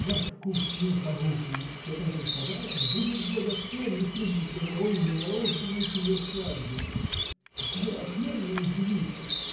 Ваш вкус мне порукой, что этот подарок будет благосклонно принят дорогой новорожденной к ее свадьбе. Какая отменная девица!